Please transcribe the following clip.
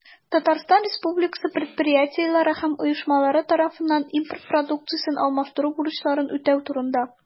Татарстан Республикасы предприятиеләре һәм оешмалары тарафыннан импорт продукциясен алмаштыру бурычларын үтәү турында.